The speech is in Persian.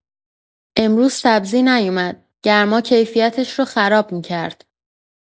امروز سبزی نیومد، گرما کیفیتش رو خراب می‌کرد.